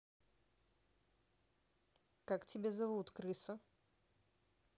как тебя зовут крыса